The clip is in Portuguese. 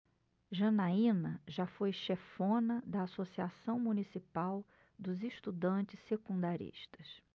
janaina foi chefona da ames associação municipal dos estudantes secundaristas